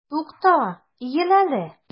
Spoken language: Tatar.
Тукта, иел әле!